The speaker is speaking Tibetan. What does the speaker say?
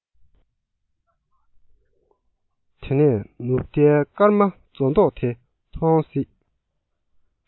དེ ནས ནུབ མཐའི སྐར མ མཛོ འདོགས དེ མཐོང སྲིད